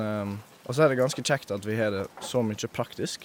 Og så er det ganske kjekt at vi har det så mye praktisk.